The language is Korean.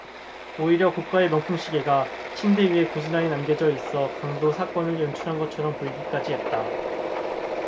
오히려 고가의 명품시계가 침대 위에 고스란히 남겨져 있어 강도 사건을 연출한 것처럼 보이기까지 했다